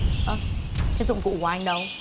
ơ thế dụng cụ của anh đâu